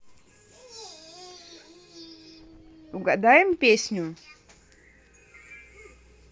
угадаем песню